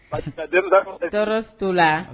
Tɔɔrɔso la